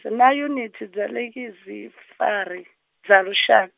na yunithi dza lekizifari-, dza lusha-.